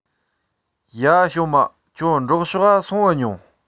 ཡ ཞོ མྰ ཁྱོད འབྲོག ཕྱོགས འ སོང ཨེ མྱོང